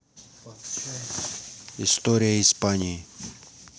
история испании